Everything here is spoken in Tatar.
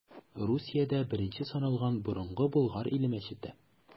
Русиядә беренче саналган Борынгы Болгар иле мәчете.